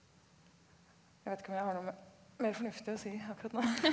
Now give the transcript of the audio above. jeg vet ikke om jeg har noe mer fornuftig å si akkurat nå .